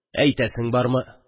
Әйтәсең бармы!